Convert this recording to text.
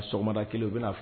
Sɔmada kelen u bɛna fɔ